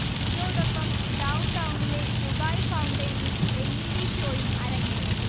ഇതോടൊപ്പം ഡൗൺടൗണിലെ ദുബായ് ഫൗണ്ടെയിനിൽ എൽ. ഇ. ഡി ഷോയും അരങ്ങേറും